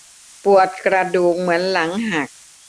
ปวดกระดูกเหมือนหลังหัก